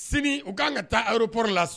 Sini u k kan ka taa rop la